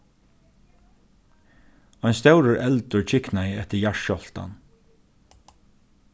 ein stórur eldur kyknaði eftir jarðskjálvtan